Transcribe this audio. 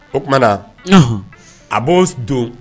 O tumaumana na a b'o don